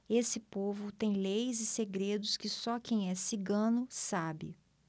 esse povo tem leis e segredos que só quem é cigano sabe